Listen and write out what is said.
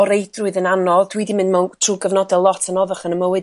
o reidrwydd yn anodd dwi 'di mynd mewn trwy gyfnoda' lot anoddach yn y mywyd